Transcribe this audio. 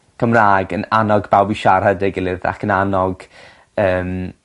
Cymra'g yn annog bawb i siarad 'da'i gilydd ac yn annog yym